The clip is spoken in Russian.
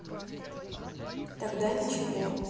тогда ничего